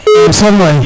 jam som waay